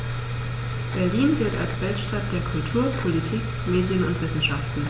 Berlin gilt als Weltstadt der Kultur, Politik, Medien und Wissenschaften.